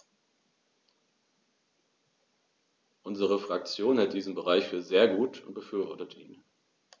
Unsere Fraktion hält diesen Bericht für sehr gut und befürwortet ihn.